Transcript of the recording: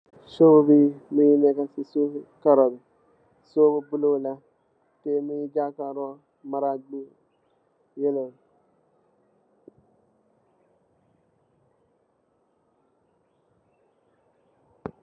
Siyoh bii mungy neka cii suff kaaroh bii, siyoh bu bleu la teh mungy jakarlor marajj bu yellow.